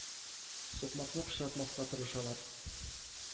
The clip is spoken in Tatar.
Сукмакны пычратмаска тырышалар.